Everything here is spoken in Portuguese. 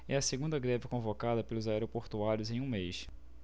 é a segunda greve convocada pelos aeroportuários em um mês